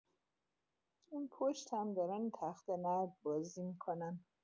اون پشت هم دارن تخته‌نرد بازی می‌کنن.